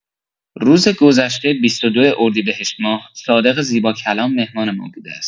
روز گذشته ۲۲ اردیبهشت‌ماه، صادق زیباکلام مهمان ما بوده است.